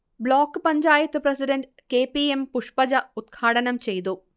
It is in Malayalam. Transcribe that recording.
Block panchayat president K. P. M. Pushpaja ഉദ്ഘാടനംചെയ്തു